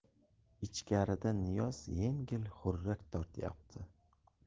ichkarida niyoz yengil xurrak tortyapti